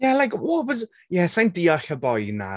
Yeah, like, what was? Ie, sa i'n deall y boi 'na.